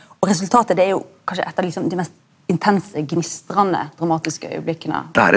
og resultatet det er jo kanskje eit av liksom dei mest intense, gnistrande, dramatiske augeblikka.